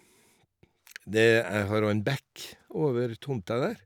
det Jeg har òg en bekk over tomta der.